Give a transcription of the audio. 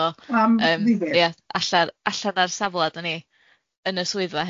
so yym ie allan allan ar safla da ni yn y swyddfa